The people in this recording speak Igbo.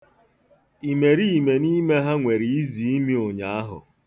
Imerime n'ime ha nwere iziimi ụnyaahụ.